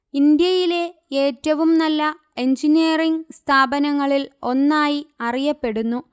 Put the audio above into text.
ഇന്ത്യയിലെ ഏറ്റവും നല്ല എഞ്ചിനീയറിങ് സ്ഥാപനങ്ങളിൽ ഒന്നായി അറിയപ്പെടുന്നു